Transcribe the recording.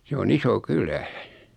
se on iso kylä